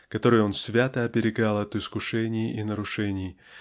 которую он свято оберегал от искушений и нарушений